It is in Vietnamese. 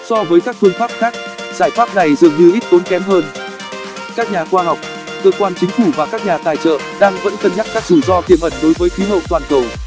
so với các phương pháp khác giải pháp này dường như ít tốn kém hơn các nhà khoa học cơ quan chính phủ và các nhà tài trợ đang vẫn cân nhắc các rủi ro tiềm ẩn đối với khí hậu toàn cầu